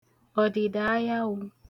ọ̀dị̀dàayawụ̄